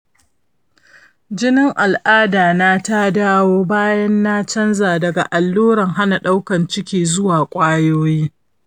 jinin al'ada na ta dawo bayan na canza daga allurar hana ciki zuwa kwayoyi.